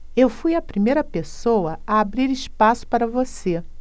eu fui a primeira pessoa a abrir espaço para você